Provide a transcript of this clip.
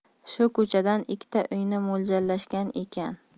shu ko'chadan ikkita uyni mo'ljallashgan ekan